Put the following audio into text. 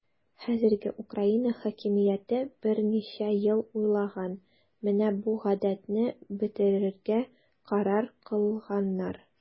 Хәзерге Украина хакимияте берничә ел уйлаган, менә бу гадәтне бетерергә карар кылганнар.